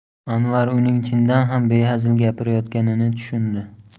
anvar uning chindan ham behazil gapirayotganini tushundi